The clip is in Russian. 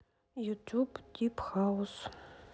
ютуб дип хаус